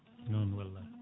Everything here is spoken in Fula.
noon wallay